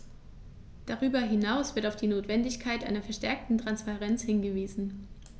Darüber hinaus wird auf die Notwendigkeit einer verstärkten Transparenz hingewiesen.